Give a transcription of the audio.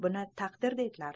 buni taqdir deydilar